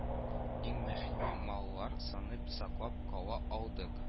Иң мөһиме маллар санын саклап кала алдык